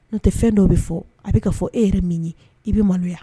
N'o tɛ fɛn dɔw bɛ fɔ a bɛ' fɔ e yɛrɛ min ye i bɛ maloya